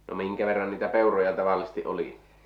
no minkä verran niitä peuroja tavallisesti oli